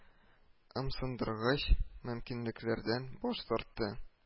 Ымсындыргыч мөмкинлекләрдән баш тартты